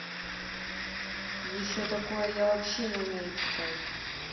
еще такое я вообще не умею читать